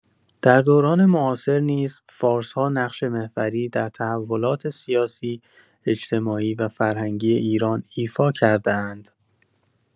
در دوران معاصر نیز فارس‌ها نقش محوری در تحولات سیاسی، اجتماعی و فرهنگی ایران ایفا کرده‌اند.